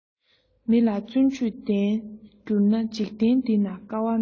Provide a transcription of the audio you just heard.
མི ལ བརྩོན འགྲུས ལྡན འགྱུར ན འཇིག རྟེན འདི ན དཀའ བ མེད